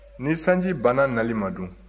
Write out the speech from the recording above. ni sanji banna nali ma dun